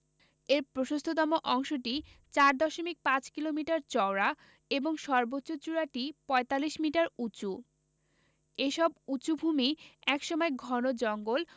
এর প্রশস্ততম অংশটি ৪ দশমিক ৫ কিলোমিটার চওড়া এবং সর্বোচ্চ চূড়াটি ৪৫ মিটার উঁচু এসব উঁচু ভূমি এক সময় ঘন জঙ্গল